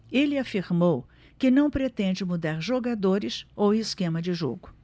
ele afirmou que não pretende mudar jogadores ou esquema de jogo